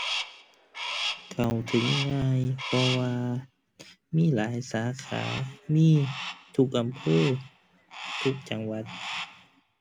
เข้าถึงง่าย เพราะว่ามีหลายสาขา มีทุกอำเภอ ทุกจังหวัด